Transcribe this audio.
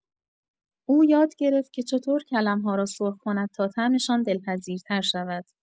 او یاد گرفت که چطور کلم‌ها را سرخ کند تا طعمشان دلپذیرتر شود.